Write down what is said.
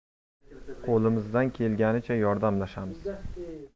qo'limizdan kelganicha yordamlashamiz